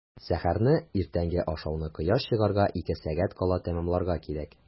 Сәхәрне – иртәнге ашауны кояш чыгарга ике сәгать кала тәмамларга кирәк.